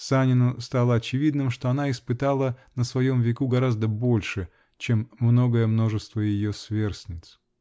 Санину стало очевидным, что она испытала на своем веку гораздо больше, чем многое множество ее сверстниц.